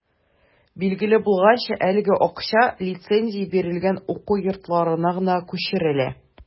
Билгеле булганча, әлеге акча лицензия бирелгән уку йортларына гына күчерелә.